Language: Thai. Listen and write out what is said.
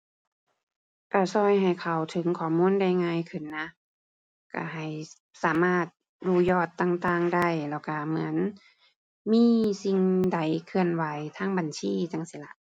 ก็ก็ให้เข้าถึงข้อมูลได้ง่ายขึ้นนะ ก็ให้สามารถรู้ยอดต่างต่างได้ แล้วก็เหมือน มีสิ่งใดเคลื่อนไหวทางบัญชีจั่งซี้ล่ะ